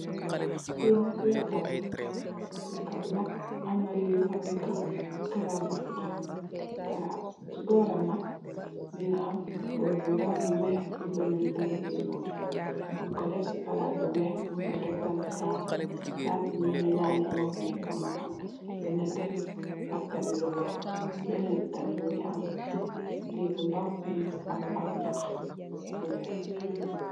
Fii nak lehkah la, lehkah bii nak amna lufa neka crab la tuda, crab, cii bohram nak mungy am borl bu ndaw bu wekh, ak benen tam bu njull, njung kor deff cii platt bu wekh, njung fa tek tamit kass, kass bii lu njoii naneh mofa nekue, mungy am lu nehteh ak tam lu wekh, benen bi tam mungy am lii bu ndaw, mung fa am ahb njahh bu wekh.